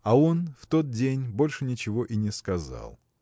а он в тот день больше ничего и не сказал.